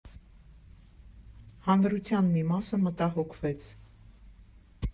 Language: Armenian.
Հանրության մի մասը մտահոգվեց.